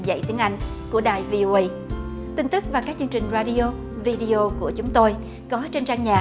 dạy tiếng anh của đài vi ô ây tin tức và các chương trình ra đi ô vi đi ô của chúng tôi có trên trang nhạc